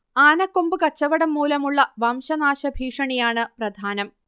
ആനക്കൊമ്പ് കച്ചവടം മൂലമുള്ള വംശനാശ ഭീഷണിയാണ് പ്രധാനം